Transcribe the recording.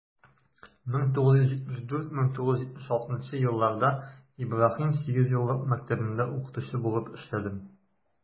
1974 - 1976 елларда ибраһим сигезьеллык мәктәбендә укытучы булып эшләдем.